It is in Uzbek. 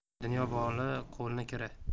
dunyo moli qo'lning kiri